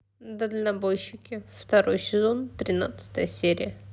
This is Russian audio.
дальнобойщики второй сезон тринадцатая серия